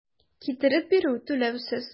Китереп бирү - түләүсез.